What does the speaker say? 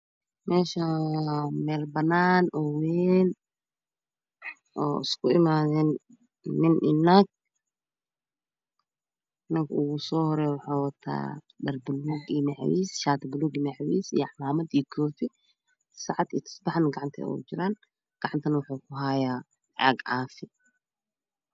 Meeshaan waa meel banaan oo wayn oo isku imaadaan nin iyo naag. Ninka ugu soo horeeyo wuxuu wataa dhar baluug iyo macows shaatiga baluug iyo macows iyo camaamad iyo koofi saacad iyo tusbax gacanta ugu jiraan gacantane wuxuu ku hayaan caag caafi.